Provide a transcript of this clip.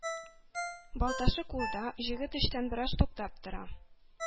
Балтасы кулда, Җегет эштән бераз туктап тора;